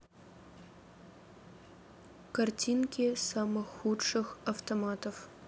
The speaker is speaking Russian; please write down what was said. картинки самых худших автоматов